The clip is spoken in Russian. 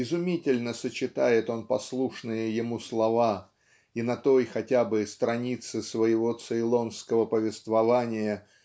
изумительно сочетает он послушные ему слова и на той хотя бы странице своего цейлонского повествования